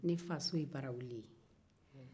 ne faso ye barawuli ye